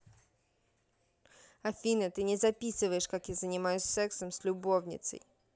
афина ты не записываешь как я занимаюсь сексом с любовницей